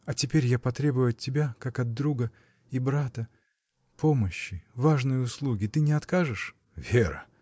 А теперь я потребую от тебя, как от друга и брата, помощи, важной услуги. Ты не откажешь?. — Вера!